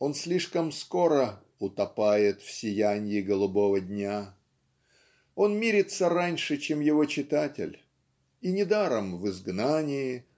он слишком скоро "утопает в сиянье голубого дня" он мирится раньше чем его читатель. И недаром (в "Изгнании"